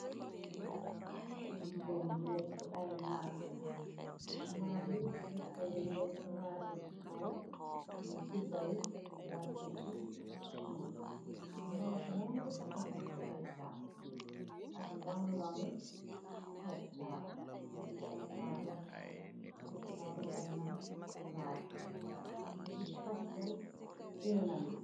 Ab jigeen bu lëttu ay maabla mab yi fektay dendon kumase si kow nu jubbay wàcca ci suuf ndaw ci nan gi takka caxku pettaw ak long longi pettaaw mgi jàkkalo jokkol benn plaas mgi pastal enamyi.